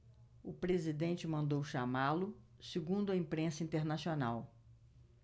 o presidente mandou chamá-lo segundo a imprensa internacional